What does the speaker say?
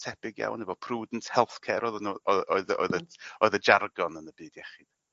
tebyg iawn efo prudent healthcare odden n'w o- oe- oedd y oedd y jargon yn y byd iechyd.